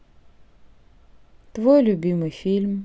твой любимый фильм